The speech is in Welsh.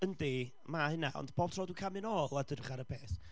yndi, ma' hynna, ond bob tro dwi'n camu'n ôl a dwi'n edrych ar y peth,